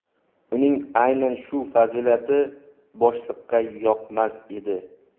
uning aynan shu fazilati boshliqqa yoqmas edi